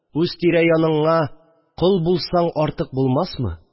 Үз тирә-яныңа кол булсаң артык булмасмы